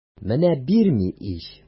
Менә бирми ич!